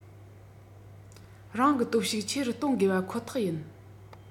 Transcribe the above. རང གི སྟོབས ཤུགས ཆེ རུ གཏོང དགོས པ ཁོ ཐག ཡིན